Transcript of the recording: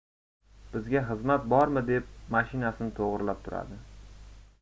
bizga xizmat bormi deb mashinasini to'g'rilab turadi